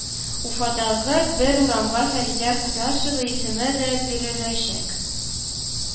Уфадагы бер урамга Фәридә Кудашева исеме дә биреләчәк